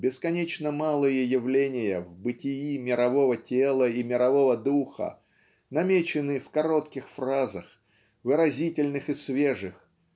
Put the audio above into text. Бесконечно малые явления в бытии мирового тела и мирового духа намечены в коротких фразах выразительных и свежих